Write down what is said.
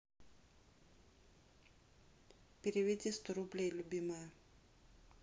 переведи сто рублей любимая